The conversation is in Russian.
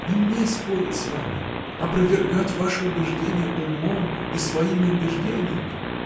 — Не мне спорить с вами, опровергать ваши убеждения умом и своими убеждениями!